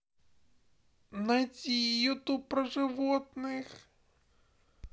найди ютуб про животных